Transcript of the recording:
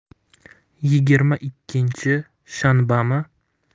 yigirma ikkinchi shanbami